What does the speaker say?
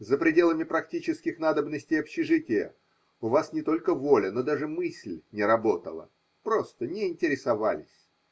За пределами практических надобностей общежития у вас не только воля, но даже мысль не работала. Просто не интересовались.